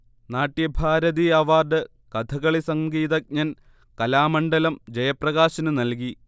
Natyabharati award Kathakali സംഗീതജ്ഞൻ കലാമണ്ഡലം ജയപ്രകാശിന് നൽകി